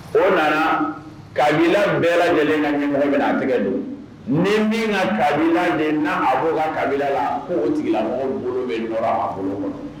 O nana kabila bɛɛ lajɛlen ka ɲɛmɔgɔ ben'a tɛgɛ don ni min ŋa kabila den n'a ma bɔ o ka kabila la ko o tigila mɔgɔ bolo bɛ nɔrɔ a bolo kɔnɔ